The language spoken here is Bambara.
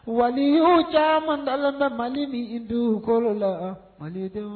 Wa o caman taara tɛ mali min itu kɔrɔ la malidenw